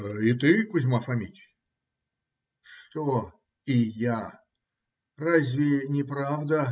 - И ты, Кузьма Фомич! - Что "и я"? Разве не правда?